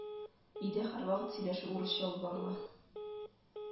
Өйдә һәрвакыт сөйләшү урысча алып барыла